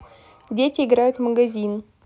дети играют в магазин